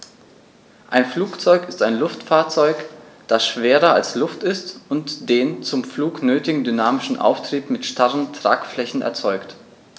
Ein Flugzeug ist ein Luftfahrzeug, das schwerer als Luft ist und den zum Flug nötigen dynamischen Auftrieb mit starren Tragflächen erzeugt.